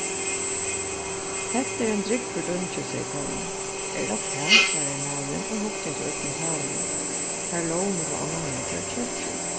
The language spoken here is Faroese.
hetta er ein drúgvur dungi segði konan er tað tað svaraði maðurin og hugdi eftir øllum klæðunum har lógu millum annað nakrar troyggjur